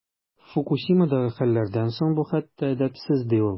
Фукусимадагы хәлләрдән соң бу хәтта әдәпсез, ди ул.